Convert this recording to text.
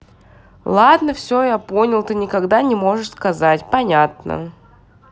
ладно я все понял ты никогда не можешь сказать понятно